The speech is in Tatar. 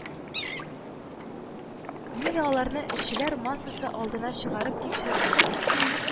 Нигә аларны эшчеләр массасы алдына чыгарып тикшермәскә